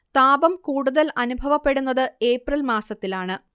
താപം കൂടുതൽ അനുഭവപ്പെടുന്നത് ഏപ്രിൽ മാസത്തിലാണ്